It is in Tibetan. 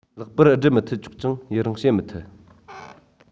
ལེགས པར སྒྲུབ མི ཐུབ ཐག ཆོད ཀྱང ཡུན རིང བྱེད མི ཐུབ